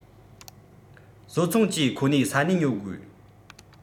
བཟོ ཚོང ཅུས ཁོ ནའི ས ནས ཉོ དགོས